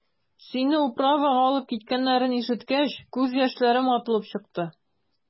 Сине «управа»га алып киткәннәрен ишеткәч, күз яшьләрем атылып чыкты.